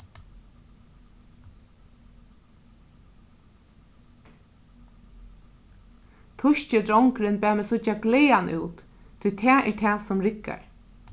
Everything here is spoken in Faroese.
týski drongurin bað meg síggja glaðan út tí tað er tað sum riggar